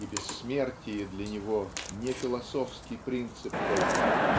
и бессмертие для него не философский принцип только